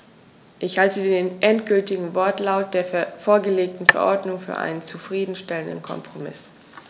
Ich halte den endgültigen Wortlaut der vorgelegten Verordnung für einen zufrieden stellenden Kompromiss.